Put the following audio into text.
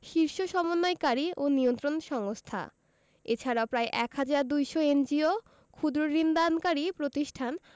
শীর্ষ সমন্বয়কারী ও নিয়ন্ত্রণ সংস্থা এছাড়াও প্রায় ১ হাজার ২০০ এনজিও ক্ষুদ্র ঋণ দানকারী প্রতিষ্ঠান